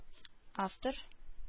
Автор